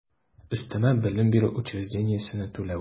Өстәмә белем бирү учреждениесенә түләү